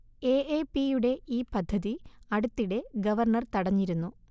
A A P യുടെ ഈ പദ്ധതി അടുത്തിടെ ഗവർണർ തടഞ്ഞിരുന്നു